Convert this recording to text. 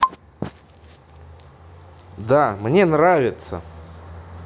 да мне нравится